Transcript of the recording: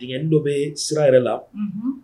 Dingɛnin dɔ bɛ sira yɛrɛ la; Unhun.